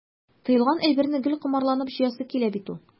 Тыелган әйберне гел комарланып җыясы килә бит ул.